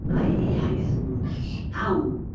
Mae eu iaith nhw'n llawn.